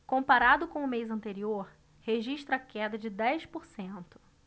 comparado com o mês anterior registra queda de dez por cento